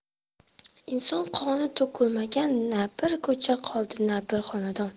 inson qoni to'kulmagan na bir ko'cha qoldi na bir xonadon